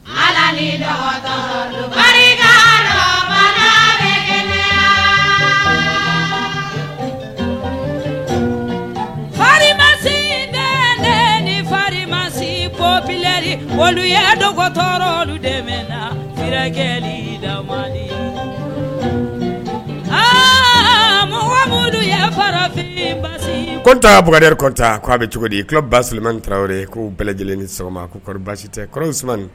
Faba bɛ kelen farisi den ni farisi pli wali ye dogo dɔgɔtɔrɔ de bɛ la feere la aa mɔgɔ olu yefafin kotan b bokarire kɔn k'a bɛ cogo di kulo bamɛ tarawele ye ko bɛɛ lajɛlen ni sɔgɔma koɔri basisi tɛ kɔrɔsnin